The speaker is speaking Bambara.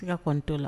Sika kɔni to la.